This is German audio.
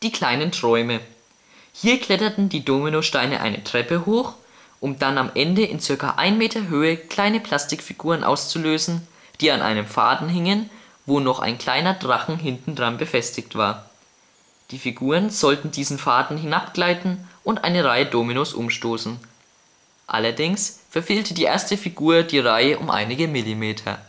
Kleinen Träume - Hier kletterten die Dominosteine eine Treppe hoch um dann am Ende in ca. 1m Höhe kleine Plastikfiguren auszulösen die an einem Faden hingen wo noch ein kleiner Drachen hinten dran befestigt war. Die Figuren sollten diesen Faden hinabgleiten und eine Reihe Dominos umstoßen. Allerdings verfehlte die erste Figur die Reihe um einige Millimeter